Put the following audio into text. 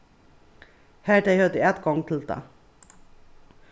har tey høvdu atgongd til tað